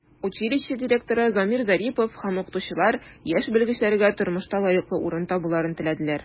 Училище директоры Замир Зарипов һәм укытучылар яшь белгечләргә тормышта лаеклы урын табуларын теләделәр.